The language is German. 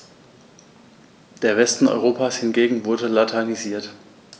Der Westen Europas hingegen wurde latinisiert.